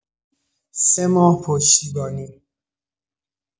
۳ ماه پشتیبانی